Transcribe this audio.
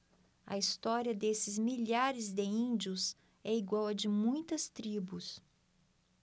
a história desses milhares de índios é igual à de muitas tribos